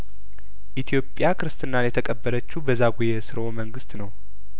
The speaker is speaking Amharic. ኢትዮጵያ ክርስትናን የተቀበለችው በዛጔ ስርወ መንግስት ነው